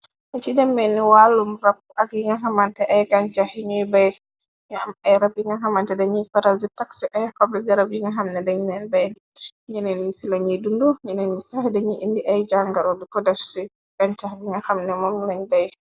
Li ci demee ni wàllum rapb ak yi nga xamante. Ay kancax yiñuy bay ñu am ay rab yi nga xamante dañiy faral di taxi. Ay xobi garab yi nga xamne dañeneen bay ñeneen ci lañiy dund ñeneen. Nyi saaxi dañi indi ay jàngaro di ko desh ci kancax bi nga xamne moom lañ bay.